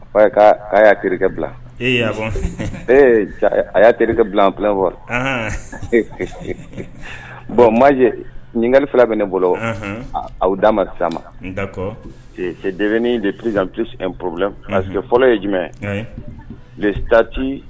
Aa y'a kɛrɛkɛ bila a y'a terikɛ bila p fɔ bɔn ma ninka fila bɛ ne bolo aw'a ma sa ma de de psi p poro parce que fɔlɔ ye jumɛn taati